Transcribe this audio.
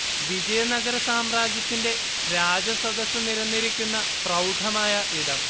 വിജയനഗര സാമ്രാജ്യത്തിന്റെ രാജസദസ്സ് നിരന്നിരിക്കുന്ന പ്രൗഢമായ ഇടം